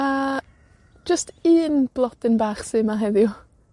A, jyst un blodyn bach sydd 'ma heddiw.